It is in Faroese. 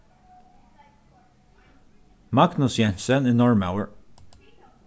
magnus jensen er norðmaður